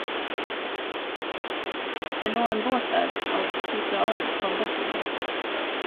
- Det lå en båt der, og "Sotraoil" kom borti den.